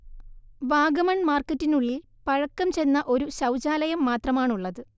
വാഗമൺ മാർക്കറ്റിനുള്ളിൽ പഴക്കം ചെന്ന ഒരു ശൗചാലയം മാത്രമാണുള്ളത്